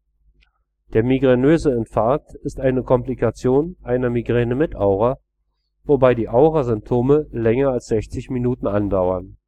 Der migränose Infarkt ist eine Komplikation einer Migräne mit Aura, wobei die Aurasymptome länger als 60 Minuten andauern